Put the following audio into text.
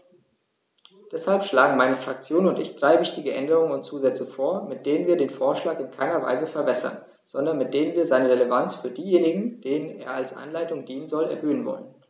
Deshalb schlagen meine Fraktion und ich drei wichtige Änderungen und Zusätze vor, mit denen wir den Vorschlag in keiner Weise verwässern, sondern mit denen wir seine Relevanz für diejenigen, denen er als Anleitung dienen soll, erhöhen wollen.